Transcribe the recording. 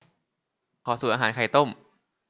ขอสูตรอาหารไข่ต้ม